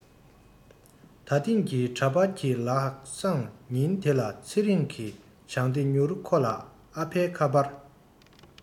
ད ཐེངས ཀྱི འདྲ པར གྱི ལག སང ཉིན དེ ལ ཚེ རིང གི བྱང དེ མྱུར ཁོ ལ ཨ ཕའི ཁ པར